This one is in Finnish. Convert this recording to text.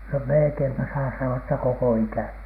no melkeinpä saa sanoa että koko ikäni